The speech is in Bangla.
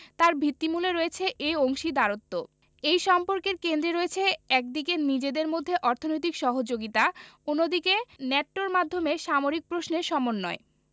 তার ভিত্তিমূলে রয়েছে এই অংশীদারত্ব এই সম্পর্কের কেন্দ্রে রয়েছে একদিকে নিজেদের মধ্যে অর্থনৈতিক সহযোগিতা অন্যদিকে ন্যাটোর মাধ্যমে সামরিক প্রশ্নে সমন্বয়